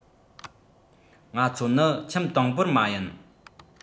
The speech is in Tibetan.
ང ཚོ ནི ཁྱིམ དང པོར མ ཡིན